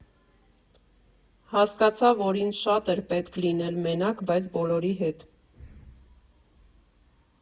Հասկացա, որ ինձ շատ էր պետք լինել մենակ, բայց բոլորի հետ։